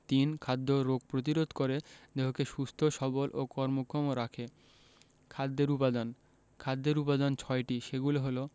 ৩. খাদ্য রোগ প্রতিরোধ করে দেহকে সুস্থ সবল ও কর্মক্ষম রাখে খাদ্যের উপাদান খাদ্যের উপাদান ছয়টি সেগুলো হলো